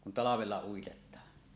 kun talvella uitetaan